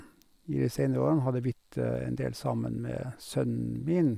I de seinere årene har det blitt en del sammen med sønnen min.